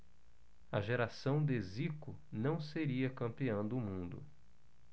a geração de zico não seria campeã do mundo